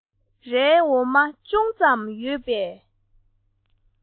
རའི འོ མ ཅུང ཙམ ཡོད པ དེ